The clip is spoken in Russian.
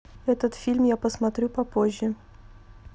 этот фильм я посмотрю попозже